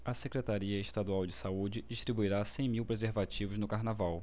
a secretaria estadual de saúde distribuirá cem mil preservativos no carnaval